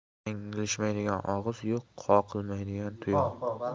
yanglishmaydigan og'iz yo'q qoqilmaydigan tuyoq